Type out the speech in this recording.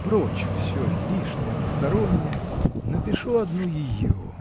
Прочь всё лишнее, постороннее: напишу одну ее.